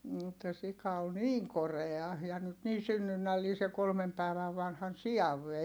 että sika oli niin korea ja nyt niin synnynnällinen se kolme päivää vanhan sian vei